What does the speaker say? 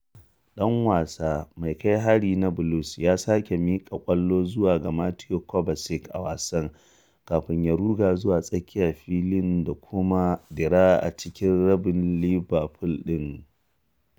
Ɗan wasa mai kai hari na Blues ya sake miƙa ƙwallo zuwa ga Mateo Kovacic a wasan, kafin ya ruga zuwa tsakiyar filin da kuma dira a cikin rabin Liverpool ɗin.